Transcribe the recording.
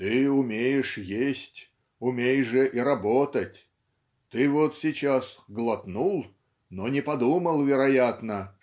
"Ты умеешь есть, умей же и работать. Ты вот сейчас глотнул но не подумал вероятно